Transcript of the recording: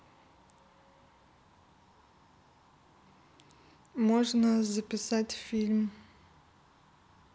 можно записать фильм